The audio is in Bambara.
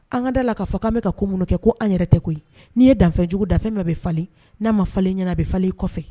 An ka da la k'a fɔ' an bɛka ka ko mun kɛ ko an yɛrɛ tɛ koyi ye'i ye danfejugu danfɛn bɛɛ bɛ falen n'a ma falen ɲɛna bɛ falen kɔfɛ